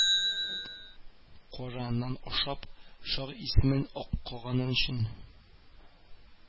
Кара нан ашап, шагыйрь исемен аклаганың өчен